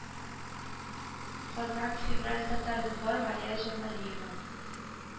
Казан февраль татар-информ алия җамалиева